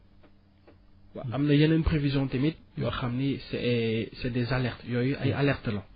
am na yeneen prévisions tamit yoo xam ni c' est c' est des alertes yooyu ay alertes la